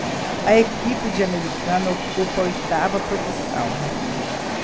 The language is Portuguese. a equipe de americana ocupa a oitava posição